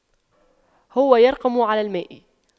هو يرقم على الماء